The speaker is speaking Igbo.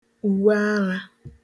ùwearā